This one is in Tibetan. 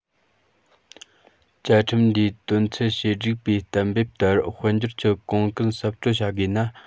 བཅའ ཁྲིམས འདིའི དོན ཚན ཞེ དྲུག པའི གཏན འབེབས ལྟར དཔལ འབྱོར གྱི གོང གུན གསབ སྤྲོད བྱ དགོས ན